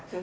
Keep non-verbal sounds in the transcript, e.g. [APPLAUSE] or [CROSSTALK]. [HESITATION] [HESITATION]